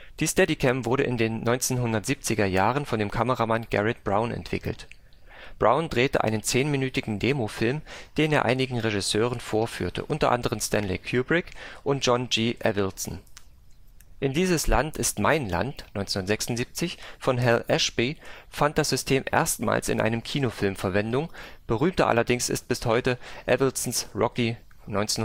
Die Steadicam wurde in den 1970er-Jahren von dem Kameramann Garrett Brown entwickelt. Brown drehte einen zehnminütigen Demofilm, den er einigen Regisseuren vorführte (u. a. Stanley Kubrick und John G. Avildsen). In Dieses Land ist mein Land (1976) von Hal Ashby fand das System erstmals in einem Kinofilm Verwendung, berühmter allerdings ist bis heute Avildsens Rocky (1976